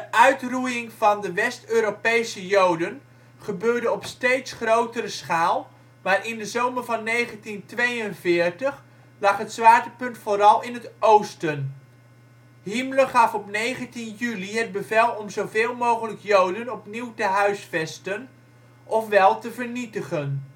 uitroeiing van de West-Europese Joden gebeurde op steeds grotere schaal, maar in de zomer van 1942 lag het zwaartepunt vooral in het oosten. Himmler gaf op 19 juli het bevel om zoveel mogelijk Joden opnieuw te huisvesten, ofwel te vernietigen